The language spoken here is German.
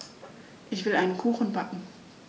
Ich will einen Kuchen backen.